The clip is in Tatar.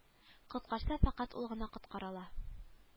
Коткарса фәкать ул гына коткара ала